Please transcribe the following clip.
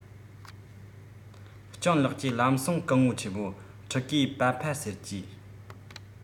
སྤྱང ལགས ཀྱིས ལམ སེང སྐུ ངོ ཆེན མོ ཕྲུ གུས པྰ ཕ ཟེར གྱིས